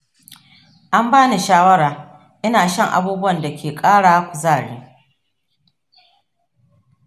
an bani shawara ina shan abubuwan da ke ƙara kuzari.